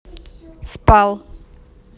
спал